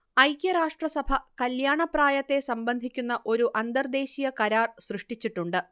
ഐക്യരാഷട്രസഭ കല്യാണപ്രായത്തെ സംബന്ധിക്കുന്ന ഒരു അന്തർദേശീയ കരാർ സൃഷ്ടിച്ചിട്ടുണ്ട്